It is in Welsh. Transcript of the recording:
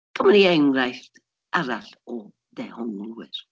Cymwn ni enghraifft arall o ddehonglwyr.